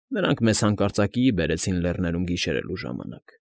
Նրանք մեզ հանկարծակիի բերեցին լեռներում գիշերելու ժամանակ։